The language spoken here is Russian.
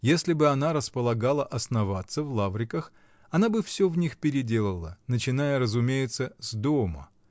Если бы она располагала основаться в Лавриках, она бы все в них переделала, начиная, разумеется, с дома